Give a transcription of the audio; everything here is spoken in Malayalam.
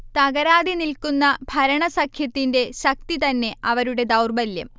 തകരാതെ നിൽക്കുന്ന ഭരണസഖ്യത്തിന്റെ ശക്തി തന്നെ അവരുടെ ദൗർബല്യം